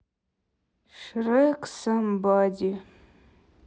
шрек самбади